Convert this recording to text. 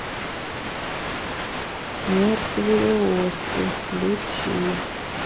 мертвые осы включи